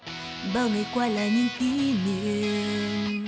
bao ngày qua là những kỉ niệm